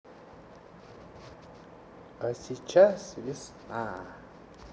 а сейчас весна